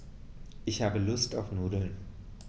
Ich habe Lust auf Nudeln.